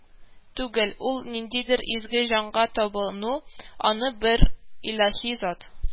Түгел, ул ниндидер изге җанга табыну, аны бер илаһи зат